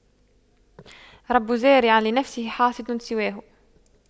رب زارع لنفسه حاصد سواه